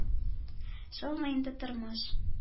Шулмы инде тормыш!